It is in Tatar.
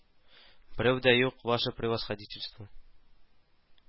Берәү дә юк, ваше превосходительство